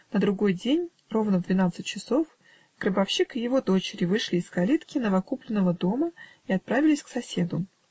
На другой день, ровно в двенадцать часов, гробовщик и его дочери вышли из калитки новокупленного дома и отправились к соседу.